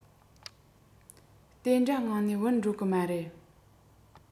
དེ འདྲ ངང ནས བུད འགྲོ གི མ རེད